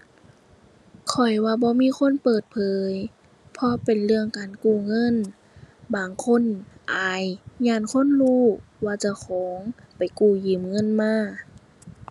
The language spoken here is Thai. ข้อยว่าบ่มีคนเปิดเผย เพราะเป็นเรื่องการกู้เงิน บางคนอาย ย้านคนรู้ว่าเจ้าของไปกู้ยืมเงินมา